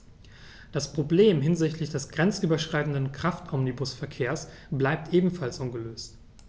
Das Problem hinsichtlich des grenzüberschreitenden Kraftomnibusverkehrs bleibt ebenfalls ungelöst.